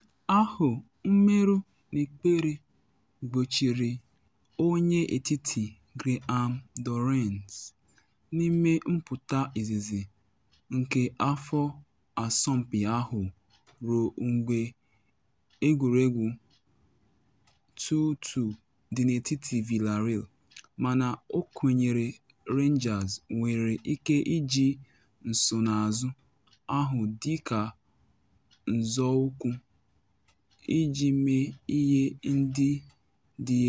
Ahụ mmerụ n’ikpere gbochiri onye etiti Graham Dorrans n’ime mpụta izizi nke afọ asọmpi ahụ ruo mgbe egwuregwu 2-2 dị n’etiti Villareal mana ọ kwenyere Rangers nwere ike iji nsonaazụ ahụ dị ka nzọụkwụ iji mee ihe ndị dị egwu.